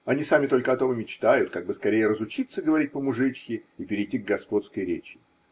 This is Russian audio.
Они сами только о том и мечтают, как бы скорее разучиться говорить по-мужичьи и перейти к господской речи.